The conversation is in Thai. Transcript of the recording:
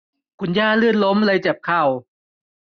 คุณย่าลื่นล้มเลยเจ็บเข่า